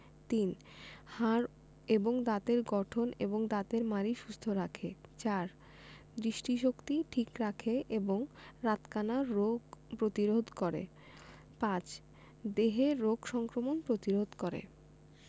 ৩. হাড় এবং দাঁতের গঠন এবং দাঁতের মাড়ি সুস্থ রাখে ৪. দৃষ্টিশক্তি ঠিক রাখে এবং রাতকানা রোগ প্রতিরোধ করে ৫. দেহে রোগ সংক্রমণ প্রতিরোধ করে